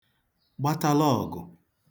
gbatalụ ọ̀gụ̀